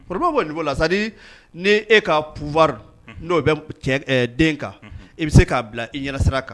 Kougu la sadi ni e kafa n'o bɛ den kan i bɛ se k'a bila i ɲɛnasira kan